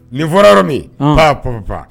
Nin fɔra yɔrɔ min h ppp